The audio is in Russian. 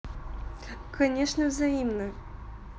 конечно взаимно